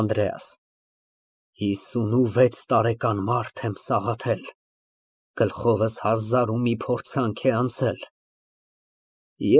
ԱՆԴՐԵԱՍ ֊ Հիսունվեց տարեկան մարդ եմ, Սաղաթել, գլխովս հազար ու մի փորձանք է անցել։